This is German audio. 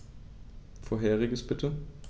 Vorheriges bitte.